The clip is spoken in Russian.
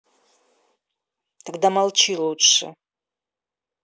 тогда молчи лучше